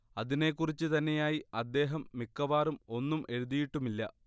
അതിനെക്കുറിച്ച് തന്നെയായി അദ്ദേഹം മിക്കവാറും ഒന്നും എഴുതിയിട്ടുമില്ല